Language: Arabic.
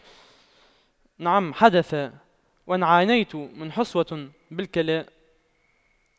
نعم حدث وان عانيت من حصوة بالكلى